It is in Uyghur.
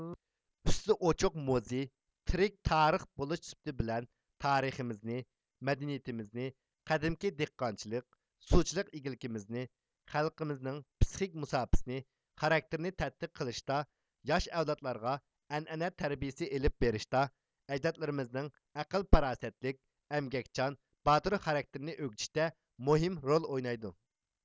ئۈستى ئۇچۇق موزىي تىرىك تارىخ بولۇش سۈپىتى بىلەن تارىخىمىزنى مەدەنىيىتىمىزنى قەدىمكى دېھقانچىلىق سۇچىلىق ئىگىلىكىمىزنى خەلقىمىزنىڭ پىسخىك مۇساپىسىنى خاراكتىرنى تەتقىق قىلىشتا ياش ئەۋلادلارغا ئەنئەنە تەربىيىسى ئېلىپ بېرىشتا ئەجدادلىرىمىزنىڭ ئەقىل پاراسەتلىك ئەمگەكچان باتۇر خاراكتېرىنى ئۆگىنىشىتە مۇھىم رول ئوينايدۇ